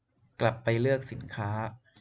กลับไปเลือกสินค้า